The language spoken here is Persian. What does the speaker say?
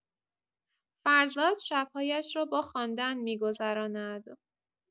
فرزاد شب‌هایش را با خواندن می‌گذراند.